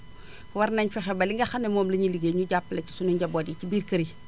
war naénu fexe ba li nga xam ne moom lañuy liggéey énu jàppale si sunu njaboot yi ci biir kër yi